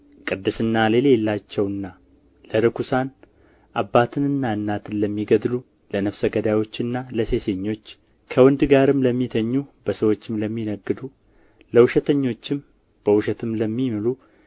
ቅድስና ለሌላቸውና ለርኵሳን አባትና እናትን ለሚገድሉ ለነፍሰ ገዳዮችና ለሴሰኞች ከወንድ ጋርም ለሚተኙ በሰዎችም ለሚነግዱ ለውሸተኞችም በውሸትም ለሚምሉ